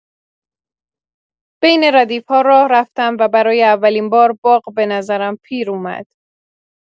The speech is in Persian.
بین ردیف‌ها راه رفتم و برای اولین بار باغ به نظرم پیر اومد.